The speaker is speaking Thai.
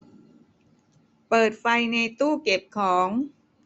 เปิดไฟในตู้เก็บของ